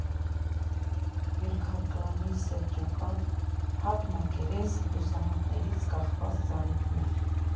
Երկհարկանի սև ճակատ, հարթ մակերես, լուսամուտներից կախված ծաղկամաններ։